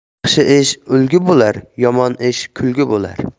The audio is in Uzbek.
yaxshi ish ulgi bo'lar yomon ish kulgi bo'lar